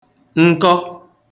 nkọ